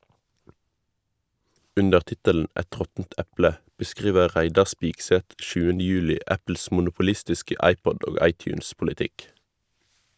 Under tittelen "Et råttent eple" beskriver Reidar Spigseth 7. juli Apples monopolistiske iPod- og iTunes-politikk.